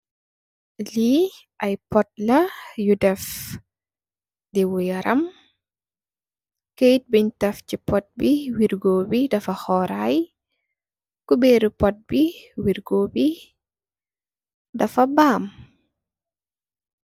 Li aye potla yu deff diweh yaram keyet bunj taff si pot put bi wergoh bi khorai kuberi pot bi wergoh bi dafa baam